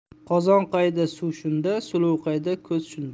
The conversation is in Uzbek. qozon qayda suv shunda suluv qayda ko'z shunda